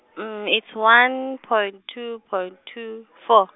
it's one, point two, point two, four.